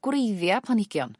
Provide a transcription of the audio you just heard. gwreiddia' planhigion